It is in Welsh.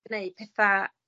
Gneud petha